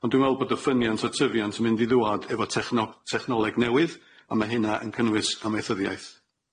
Ond dwi me'wl bod y ffyniant a tyfiant yn mynd i ddŵad efo techno- technoleg newydd a ma' hynna yn cynnwys amaethyddiaeth.